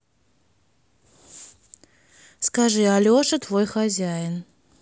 скажи алеша твой хозяин